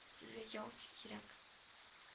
Сезгә ял к кирәк